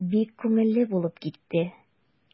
Бик күңелле булып китте.